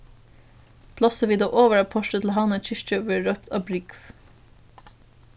plássið við tað ovara portrið til havnar kirkju verður rópt á brúgv